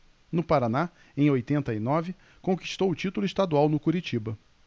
no paraná em oitenta e nove conquistou o título estadual no curitiba